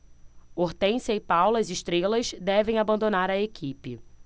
hortência e paula as estrelas devem abandonar a equipe